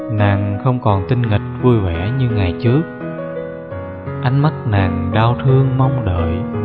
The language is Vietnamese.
nàng không còn tinh nghịch vui vẻ như ngày trước ánh mắt nàng đau thương mong đợi